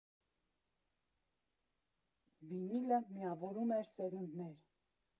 Վինիլը միավորում էր սերունդներ.